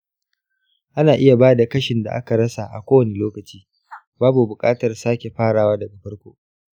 ana iya ba da kashin da aka rasa a kowane lokaci; babu buƙatar sake farawa daga farko.